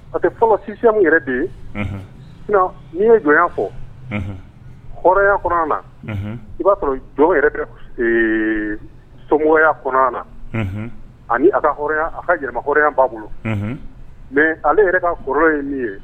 A tɛ fɔlɔ sisi yɛrɛ de ye n'i ye jɔn fɔ hya kɔnɔ na i b'a sɔrɔ jɔn sogoya kɔnɔ na ani ka a ka yɛlɛmaya b'a bolo mɛ ale yɛrɛ ka kɔrɔ ye min ye